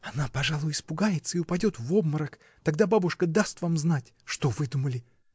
— Она, пожалуй, испугается и упадет в обморок, тогда бабушка даст вам знать! Что выдумали!